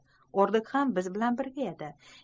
ordok ham biz bilan birga edi